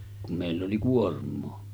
kun meillä oli kuormaa